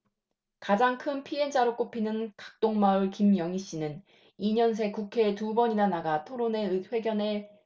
가장 큰 피해자로 꼽히는 각동마을 김영희씨는 이 년 새 국회에 두 번이나 나가 토론회 회견을 하기도 했다